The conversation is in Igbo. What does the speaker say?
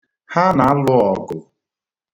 Ha na-alu ọgụ.